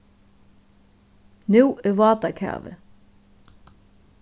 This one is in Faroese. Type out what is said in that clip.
nú er vátakavi